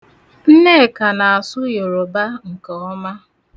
Nneka na-asụ Yoroba nke ọma.